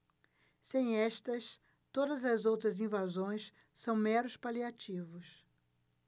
sem estas todas as outras invasões são meros paliativos